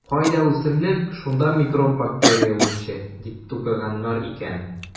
Кайда үсемлек - шунда микроб-бактерия үрчи, - дип тукыганнар икән.